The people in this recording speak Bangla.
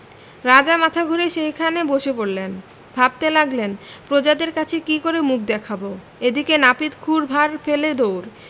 রাজা মাথা ঘুরে সেইখানে বসে পড়লেন ভাবতে লাগলেন প্রজাদের কাছে কী করে মুখ দেখাব এদিকে নাপিত ক্ষুর ভাঁড় ফেলে দৌড়